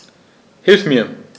Hilf mir!